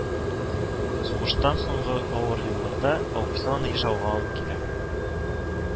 Сугыштан соңгы авыр елларда, абыйсы аны Ижауга алып килә